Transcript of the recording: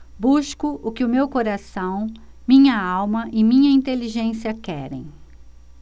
busco o que meu coração minha alma e minha inteligência querem